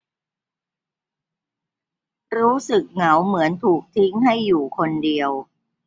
รู้สึกเหงาเหมือนถูกทิ้งให้อยู่คนเดียว